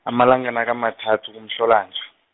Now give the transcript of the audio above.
amalanga nakamathathu kuMhlolanja.